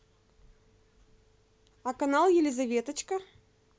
а канал елизаветочка